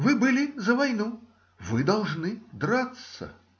Вы были за войну: вы должны драться.